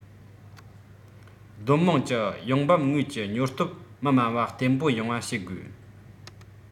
སྡོད དམངས ཀྱི ཡོང འབབ དངོས ཀྱི ཉོ སྟོབས མི དམའ བ བརྟན པོ ཡོང བ བྱེད དགོས